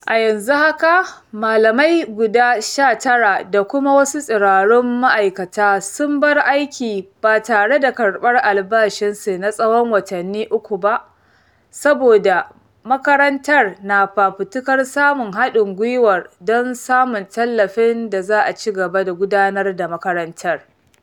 A yanzu haka, malamai guda 19 da kuma wasu tsirarun ma'aikata sun bar aiki ba tare da karɓar albashinsu na tsawon watanni uku ba, saboda makarantar na fafutukar samun haɗin gwiwar don samun tallafin da za a cigaba da gudanar da makarantar.